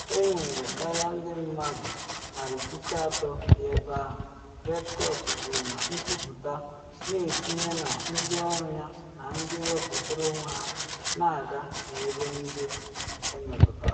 Enwere karịa ndị mmadụ 300,000 bi ebe ahụ,” Red Cross kwuru na nkwupute, na etinye na ndị ọrụ ya na ndị wepụtara onwe ha na aga n’ebe ndị emetụtara.